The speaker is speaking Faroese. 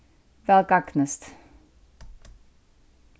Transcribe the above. væl gagnist